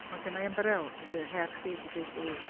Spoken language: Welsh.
Mae genna i ymbarel felly her chdi ydy deud wrtha fi...